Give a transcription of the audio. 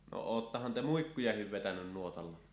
no olettehan te muikkujakin vetänyt nuotalla